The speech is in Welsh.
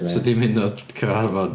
So dim hyd yn oed Caernarfon?